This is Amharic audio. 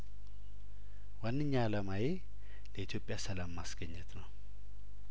ዋንኛ አላማዬ ለኢትዮጵያ ሰላም ማስገኘት ነው